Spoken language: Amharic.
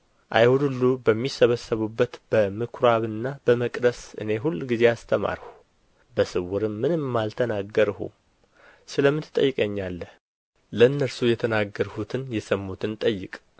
አይሁድ ሁሉ በሚሰበሰቡበት በምኵራብና በመቅደስ እኔ ሁልጊዜ አስተማርሁ በስውርም ምንም አልተናገርሁም ስለምን ትጠይቀኛለህ ለእነርሱ የተናገርሁትን የሰሙትን ጠይቅ